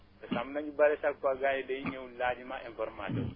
te am na ñu bëri sa tool ba nii dañuy ñëw ñu laaj ma information